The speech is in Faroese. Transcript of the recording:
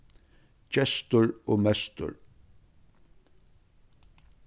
gestur og mestur